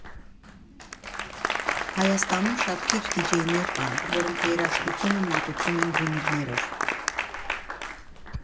Հայաստանում շատ քիչ դիջեյներ կան, որոնք երաժշտությունը մատուցում են վինիլներով։